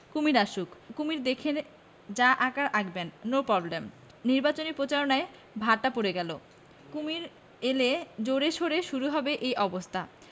কুমীর আসুক কুমীর দেখে যা আঁকার আঁকবেন নো প্রবলেম নিবাচনী প্রচারেও ভাটা পড়ে গেল কুমীর এলে জোরে সােরে শুরু হবে এই অবস্থা